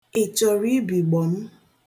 Ị chọrọ ibigbọ m?